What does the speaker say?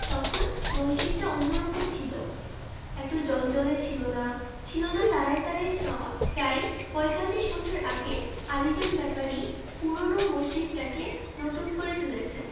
তখন মসজিদটা অন্যরকম ছিল এত জ্বলজ্বলে ছিল না ছিলনা তারায় তারায় ছাওয়া প্রায় পঁয়তাল্লিশ বছর আগে আলীজান ব্যাপারী পূরোনো মসজিদটাকে নতুন করে তুলেছিলেন